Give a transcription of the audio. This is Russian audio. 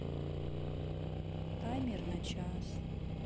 таймер на час